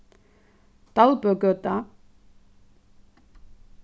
dalbøgøta